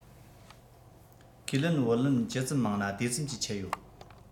ཁས ལེན བུ ལོན ཇི ཙམ མང ན དེ ཙམ གྱིས ཆད ཡོད